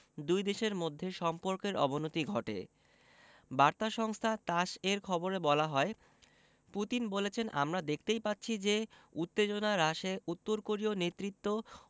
দুই দেশের মধ্যে সম্পর্কের অবনতি ঘটে বার্তা সংস্থা তাস এর খবরে বলা হয় পুতিন বলেছেন আমরা দেখতেই পাচ্ছি যে উত্তেজনা হ্রাসে উত্তর কোরীয় নেতৃত্ব